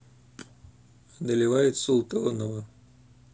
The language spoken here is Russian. одолевает султонова